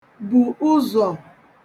bù ụzọ̀